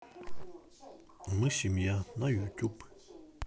мы семья на ютюб